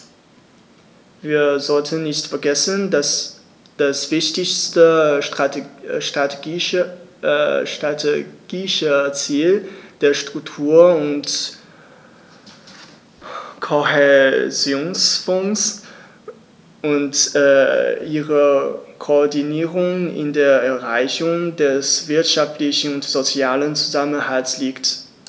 Wir sollten nicht vergessen, dass das wichtigste strategische Ziel der Struktur- und Kohäsionsfonds und ihrer Koordinierung in der Erreichung des wirtschaftlichen und sozialen Zusammenhalts liegt.